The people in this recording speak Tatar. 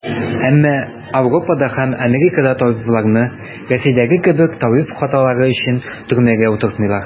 Әмма Ауропада һәм Америкада табибларны, Рәсәйдәге кебек, табиб хаталары өчен төрмәгә утыртмыйлар.